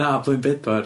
Na, blwyddyn pedwar.